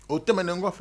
O tɛmɛnen kɔfɛ